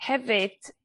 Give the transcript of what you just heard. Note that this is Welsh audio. Hefyd